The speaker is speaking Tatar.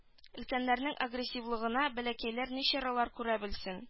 Өлкәннәрнең агрессивлыгына бәләкәйләр ни чаралар күрә белсен